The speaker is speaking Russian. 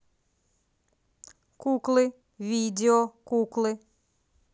куклы видео куклы